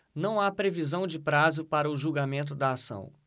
não há previsão de prazo para o julgamento da ação